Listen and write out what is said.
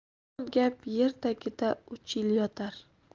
yomon gap yer tagida uch yil yotar